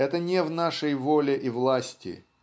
это не в нашей воле и власти